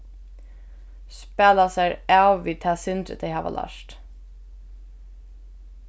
spæla sær av við tað sindrið tey hava lært